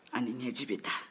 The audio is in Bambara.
a ni ɲɛji bɛ taa